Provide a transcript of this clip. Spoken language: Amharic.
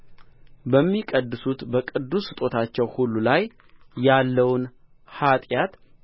በሚቀድሱት በቅዱስ ስጦታቸው ሁሉ ላይ ያለውን ኃጢአት